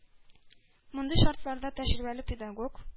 Мондый шартларда тәҗрибәле педагог